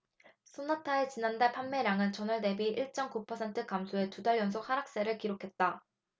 쏘나타의 지난달 판매량은 전월 대비 일 쩜 구 퍼센트 감소해 두 달 연속 하락세를 기록했다